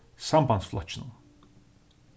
sambandsflokkinum